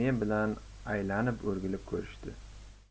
men bilan aylanib o'rgilib ko'rishdi